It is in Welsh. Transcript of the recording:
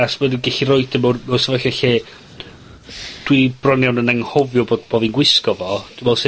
ma' nw gellu roid o mewn, mewn sefyllfa lle dwi bron iawn yn anghofio bod bo' fi'n gwisgo fo, dwi me'wl 'se...